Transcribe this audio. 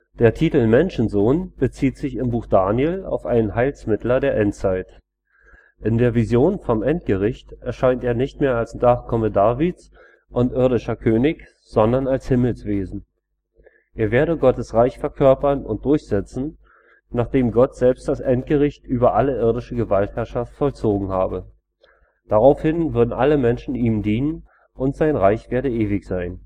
Der Titel „ Menschensohn “bezieht sich im Buch Daniel auf einen Heilsmittler der Endzeit. In der Vision vom Endgericht erscheint er nicht mehr als Nachkomme Davids und irdischer König, sondern als Himmelswesen. Er werde Gottes Reich verkörpern und durchsetzen, nachdem Gott selbst das Endgericht über alle irdische Gewaltherrschaft vollzogen habe. Daraufhin würden alle Menschen ihm dienen, und sein Reich werde ewig sein